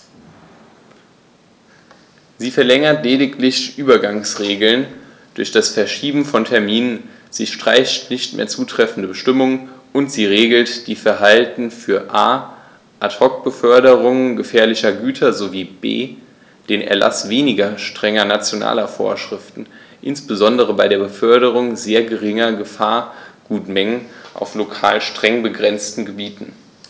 Sie verlängert lediglich Übergangsregeln durch das Verschieben von Terminen, sie streicht nicht mehr zutreffende Bestimmungen, und sie regelt die Verfahren für a) Ad hoc-Beförderungen gefährlicher Güter sowie b) den Erlaß weniger strenger nationaler Vorschriften, insbesondere bei der Beförderung sehr geringer Gefahrgutmengen auf lokal streng begrenzten Gebieten.